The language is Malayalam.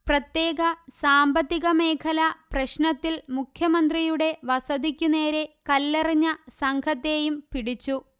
പ്രത്യേക സാമ്പത്തിക മേഖല പ്രശ്നത്തിൽ മുഖ്യമന്ത്രിയുടെ വസതിയ്ക്കു നേരെ കല്ലെറിഞ്ഞ സംഘത്തെയും പിടിച്ചു